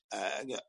yy